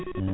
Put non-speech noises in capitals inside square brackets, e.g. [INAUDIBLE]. [NOISE] [HESITATION] [HESITATION]